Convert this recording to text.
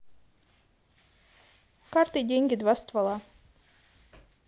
карта деньги два ствола